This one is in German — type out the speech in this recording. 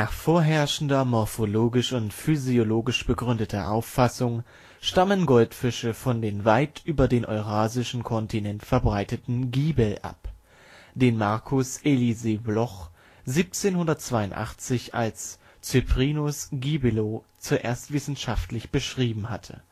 vorherrschender, morphologisch und physiologisch begründeter Auffassung, stammen Goldfische von dem weit über den eurasischen Kontinent verbreiteten Giebel ab, den Marcus Elieser Bloch 1782 als Cyprinus gibelio zuerst wissenschaftlich beschrieben hatte